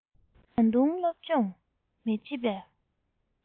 ད དུང སློབ སྦྱོང མི བྱེད པར